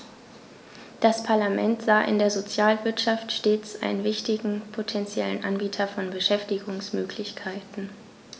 Das Parlament sah in der Sozialwirtschaft stets einen wichtigen potentiellen Anbieter von Beschäftigungsmöglichkeiten.